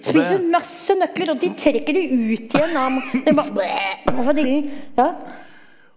spiser hun masse nøkler, og de trekker det ut gjennom det Moffedillen ja.